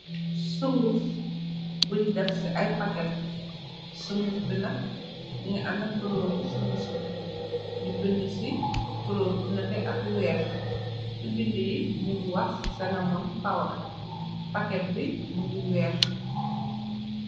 Sunguf buñ def ci ay paket sunguf bi nag mu ngi ame kulooru sunguf ci bukki ñu bind ci kuloor bu nete ak weex ci bind yi mu ngi wax senamoon paoda paket bi mu ngi weex.